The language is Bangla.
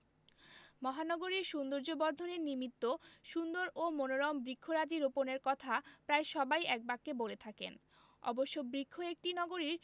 মহানগরীর সৌন্দর্যবর্ধনের নিমিত্ত সুন্দর ও মনোরম বৃক্ষরাজি রোপণের কথা প্রায় সবাই একবাক্যে বলে থাকেন অবশ্য বৃক্ষ একটি নগরীর